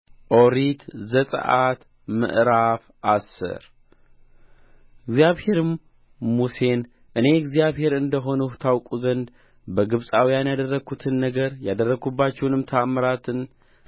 ኦሪት ዘጽአት ምዕራፍ አስር እግዚአብሔርም ሙሴን እኔ እግዚአብሔር እንደ ሆንሁ ታውቁ ዘንድ በግብፃውያን ያደረግሁትን ነገር ያደረግሁባቸውንም ተአምራቴን